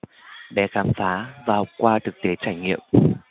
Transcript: bé khám phá và học qua thực tế trải nghiệm